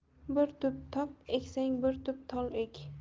bir tup tok eksang bir tup tol ek